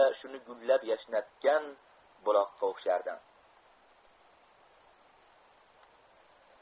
shuni gullab yashnatadigan buloqqa o'xshardi